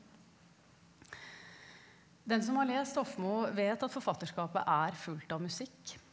den som har lest Hofmo vet at forfatterskapet er fullt av musikk.